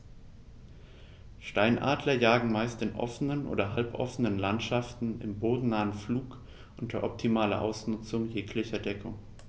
Steinadler jagen meist in offenen oder halboffenen Landschaften im bodennahen Flug unter optimaler Ausnutzung jeglicher Deckung.